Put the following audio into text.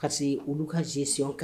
Kasi olu ka jɛsi kɛ